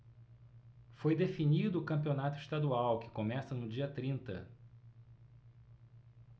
foi definido o campeonato estadual que começa no dia trinta